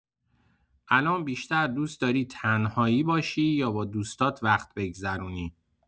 الان بیشتر دوست‌داری تنهایی باشی یا با دوستات وقت بگذرونی؟